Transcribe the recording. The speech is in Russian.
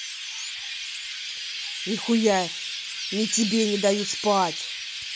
нихуя не тебе не даю спать